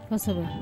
O sɔrɔ